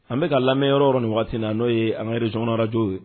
An bɛ ka ka lamɛn yɔrɔ o yɔrɔ nin waati na n'o ye an ka région kɔnɔ arajow ye